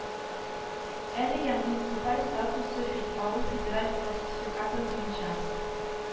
Әлегә муниципаль статусы фе авыл федераль классификатор буенча